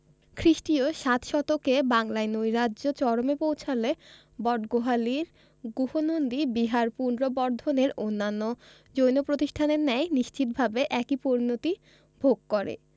খ্রিস্টীয় সাত শতকে বাংলায় নৈরাজ্য চরমে পৌঁছলে বটগোহালীর গুহনন্দী বিহার পুন্ড্রবর্ধনের অন্যান্য জৈন প্রতিষ্ঠানের ন্যায় নিশ্চতভাবে একই পরিণতি ভোগ করে